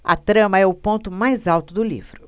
a trama é o ponto mais alto do livro